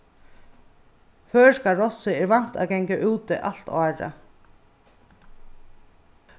føroyska rossið er vant at ganga úti alt árið